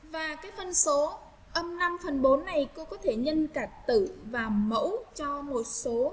phân số âm phần này có thể nhân cả tử và mẫu cho một số